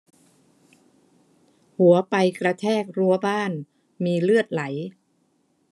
หัวไปกระแทกรั้วบ้านมีเลือดไหล